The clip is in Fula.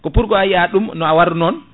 ko pourquoi a yiya ɗum na wara non